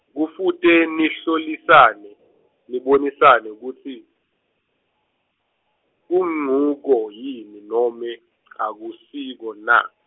kufute nihlolisane, nibonisane kutsi, kunguko yini nome, akusiko na.